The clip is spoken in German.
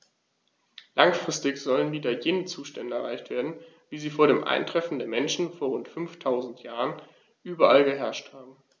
Langfristig sollen wieder jene Zustände erreicht werden, wie sie vor dem Eintreffen des Menschen vor rund 5000 Jahren überall geherrscht haben.